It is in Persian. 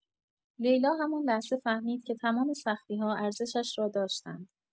لیلا همان لحظه فهمید که تمام سختی‌ها ارزشش را داشتند.